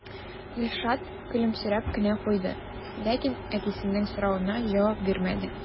Илшат көлемсерәп кенә куйды, ләкин әтисенең соравына җавап бирмәде.